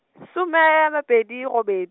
some a mabedi robed-.